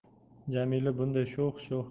jamila bunday sho'x sho'x